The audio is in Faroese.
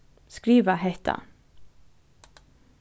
skriva hetta